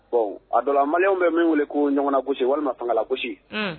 Bon a dɔn a mali bɛ min wele ko ɲɔgɔnna gosisi walima fangala gosisi